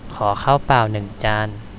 ขอข้าวเปล่าหนึ่งจาน